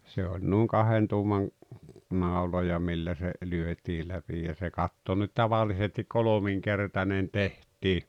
se oli noin kahden tuuman nauloja millä se lyötiin läpi ja se katto nyt tavallisesti kolminkertainen tehtiin